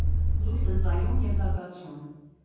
Լույս ընծայում և զարգացում։